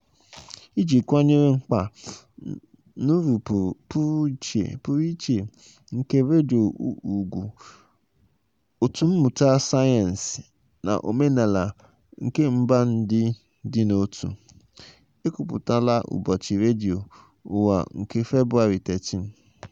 Iji kwanyere mkpa na uru pụrụ iche nke redio ùgwù, Òtù Mmụta, Sayensị na Omenala nke Mba Ndị Dị n'Otu (UNESCO) ekwupụtala ụbọchị redio ụwa nke Febụwarị 13.